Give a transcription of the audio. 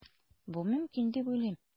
Бу мөмкин дип уйлыйм.